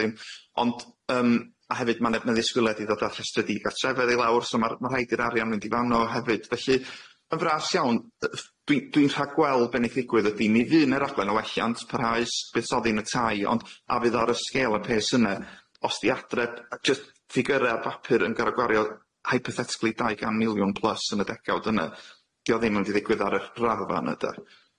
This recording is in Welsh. Ond yym a hefyd ma' ne- ma'n ddisgwyle di ddod at llestri di gatrefedd i lawr so ma' r- ma' rhaid i'r arian mynd i fawn o hefyd. Felly yn fras iawn yy ff- dwi'n dwi'n rhagweld be' nethigwydd ydi mi ddyn y raglen o wellant parhaus beths oddi yn y tai ond a fydd o ar y sgêl yn pê s yne os di Adre jyst ffigyre ar bapur yn garagwario hypothetically dau gan miliwn plus yn y degawd yne 'di o ddim yn mynd i ddigwydd ar y rafa yna de?